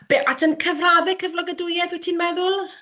Be? At ein cyfraddau cyflogadwyedd, wyt ti'n meddwl?